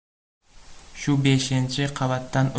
shu beshinchi qavatdan